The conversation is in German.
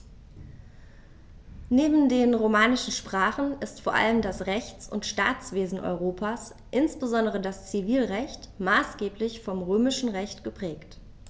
Neben den romanischen Sprachen ist vor allem das Rechts- und Staatswesen Europas, insbesondere das Zivilrecht, maßgeblich vom Römischen Recht geprägt.